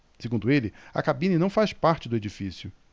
segundo ele a cabine não faz parte do edifício